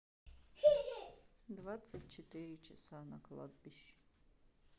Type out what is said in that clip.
двадцать четыре часа на кладбище